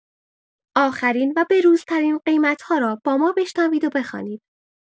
آخرین و به روزترین قیمت‌ها را با ما بشنوید و بخوانید.